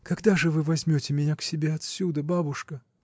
— Когда же вы возьмете меня к себе отсюда, бабушка?